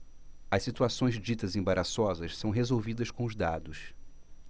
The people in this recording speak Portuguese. as situações ditas embaraçosas são resolvidas com os dados